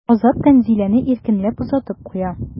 Азат Тәнзиләне иркенләп озатып куя.